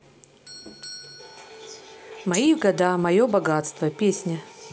мои года мое богатство песня